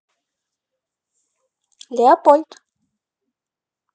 леопольд